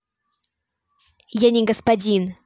я не господин